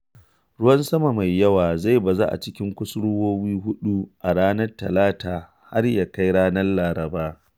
Ruwan sama mai yawa zai bazu a cikin Kusurwowi Huɗu a ranar Talata har ya kai ranar Laraba.